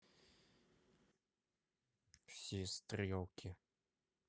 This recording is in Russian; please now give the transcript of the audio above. все стрелки